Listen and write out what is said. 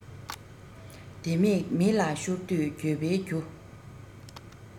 ལྡེ མིག མི ལ ཤོར དུས འགྱོད པའི རྒྱུ